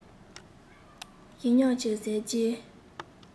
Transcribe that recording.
ཞིམ ཉམས ཀྱིས བཟས རྗེས